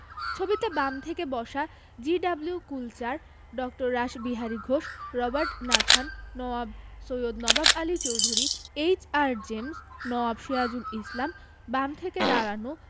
ছবিতে বাম থেকে বসা G W. Kulchar Dr. Rashbehari Ghosh Robert Nathan Nawab Syed Nawab Ali Chowdhury H R. James Nawab Sirajul Islam বাম থেকে দাঁড়ানো